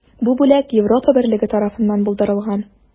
Бу бүләк Европа берлеге тарафыннан булдырылган.